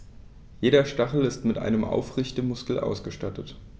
Jeder Stachel ist mit einem Aufrichtemuskel ausgestattet.